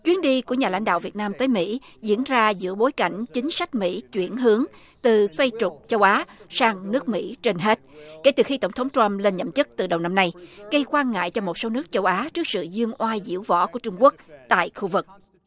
chuyến đi của nhà lãnh đạo việt nam tới mỹ diễn ra giữa bối cảnh chính sách mỹ chuyển hướng từ xoay trục châu á sang nước mỹ trên hết kể từ khi tổng thống trăm lên nhận chức từ đầu năm nay gây quan ngại cho một số nước châu á trước sự giương oai diễu võ của trung quốc tại khu vực